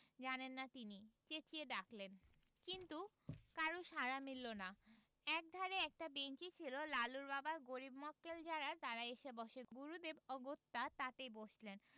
জানেন না তিনি চেঁচিয়ে ডাকলেন কিন্তু কারও সাড়া মিলল না একধারে একটা বেঞ্চি ছিল লালুর বাবার গরীব মক্কেল যারা তাহারই এসে বসে গুরুদেব অগত্যা তাতেই বসলেন